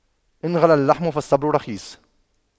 إن غلا اللحم فالصبر رخيص